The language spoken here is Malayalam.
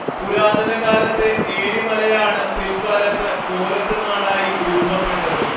പുരാതന കാലത്തെ ഏഴിമലയാണ് പിൽക്കാലത്ത് കോലത്തുനാടായി രൂപപ്പെട്ടത്